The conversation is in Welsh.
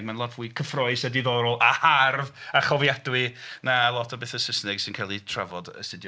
Mae'n lot fwy cyffrous a ddiddorol a hardd a chofiadwy na lot o betha Saesneg sy'n cael ei trafod, astudio...